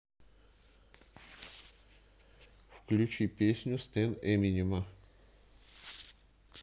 включи песню стэн эминема